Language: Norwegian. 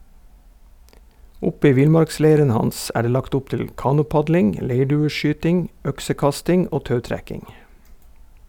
Oppe i villmarksleiren hans er det lagt opp til kanopadling, leirdueskyting, øksekasting og tautrekking.